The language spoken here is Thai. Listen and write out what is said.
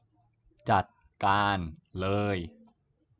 จัดการเลย